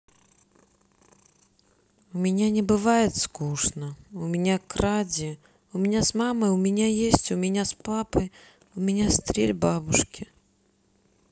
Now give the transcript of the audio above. у меня не бывает скучно у меня кради у меня с мамой у меня есть у меня с папой у меня стрель бабушки